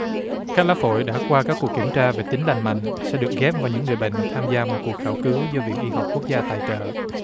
các lá phổi đã qua các cuộc kiểm tra về tính lành mạnh sẽ được ghép vào những người bệnh tham gia một cuộc khảo cứu do viện y học quốc gia tài trợ